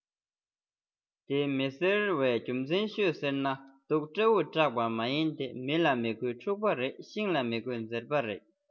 དེ མི ཟེར བའི རྒྱུ མཚན ཤོད ཟེར ན སྡུག སྤྲེའུར སྐྲག པ མ ཡིན ཏེ མི ལ མི དགོས འཁྲུག པ རེད ཤིང ལ མི དགོས འཛེར པ རེད